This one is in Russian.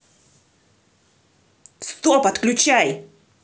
стоп отключай